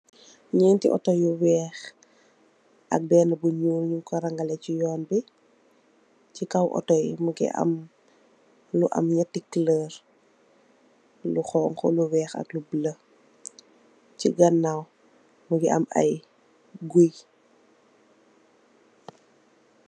Ñeenti otto yu weex ak beenë bu ñuul ñuñg ko rañgsele ci yoon bi. Ci kow otto yi, mu ngi am, lu am ñatti kuloor, lu xoñxu, lu weex ak lu bulo. Ci ganaaw, mu ngi am guy.